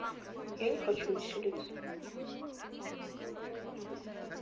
я не хочу вселиться